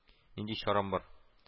Нинди чарам бар